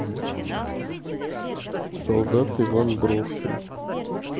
солдат иван бровкин